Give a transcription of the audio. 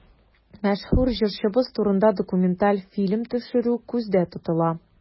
Мәшһүр җырчыбыз турында документаль фильм төшерү күздә тотыла.